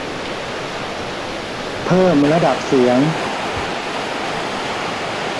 เพิ่มระดับเสียง